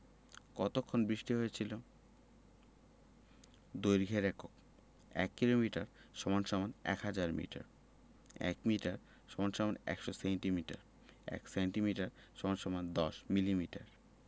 কতক্ষণ বৃষ্টি হয়েছিল দৈর্ঘ্যের এককঃ ১ kilometre = ১০০০ metre ১ metre = ১০০ centimetre ১ centimetre = ১০ millimetre